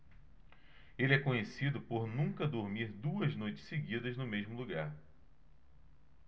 ele é conhecido por nunca dormir duas noites seguidas no mesmo lugar